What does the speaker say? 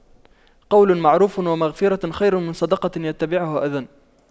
قَولٌ مَّعرُوفٌ وَمَغفِرَةُ خَيرٌ مِّن صَدَقَةٍ يَتبَعُهَا أَذًى